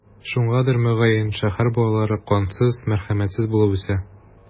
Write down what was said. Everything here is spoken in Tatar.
Шуңадыр, мөгаен, шәһәр балалары кансыз, мәрхәмәтсез булып үсә.